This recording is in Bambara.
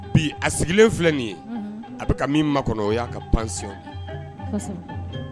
Bi a sigilen filɛ nin ye a bɛ ka min ma kɔnɔya ka pansɔn